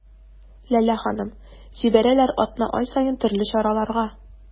Ләлә ханым: җибәрәләр атна-ай саен төрле чараларга.